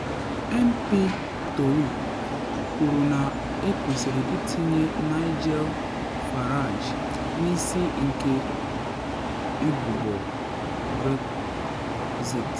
MP Tory kwuru na ekwesịrị itinye NIGEL FARAGE n’isi nke ụbụbọ Brexit